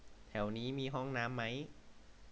แถวนี้มีห้องน้ำมั้ย